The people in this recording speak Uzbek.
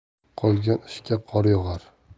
qolgan ishga qor yog'ar